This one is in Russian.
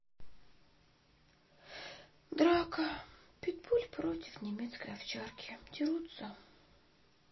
драка питбуль против немецкой овчарки дерутся